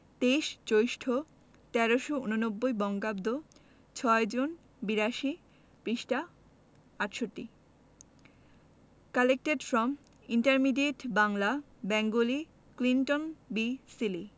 ২৩ জ্যৈষ্ঠ ১৩৮৯বঙ্গাব্দ ৬ জুন ৮২ পৃঃ ৬৮ Collected from Intermediate BanglaBengali Clinton B.Seely